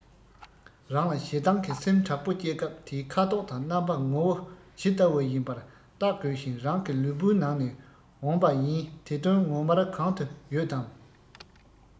རང ལ ཞེ སྡང གི སེམས དྲག པོ སྐྱེས སྐབས དེའི ཁ དོག དང རྣམ པ ངོ བོ ཇི ལྟ བུ ཡིན པར བརྟག དགོས ཤིང རང གི ལུས པོའི ནང ནས འོངས པ ཡིན དེ དོན ངོ མར གང དུ ཡོད དམ